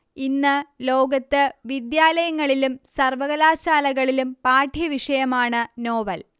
ഇന്ന് ലോകത്ത് വിദ്യാലയങ്ങളിലും സർവ്വകലാശാലകളിലും പാഠ്യവിഷയമാണ് നോവൽ